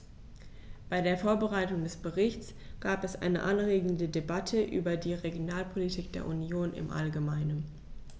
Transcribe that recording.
Bei der Vorbereitung des Berichts gab es eine anregende Debatte über die Regionalpolitik der Union im allgemeinen.